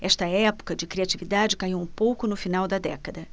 esta época de criatividade caiu um pouco no final da década